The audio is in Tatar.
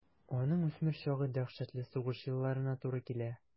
Аның үсмер чагы дәһшәтле сугыш елларына туры килә.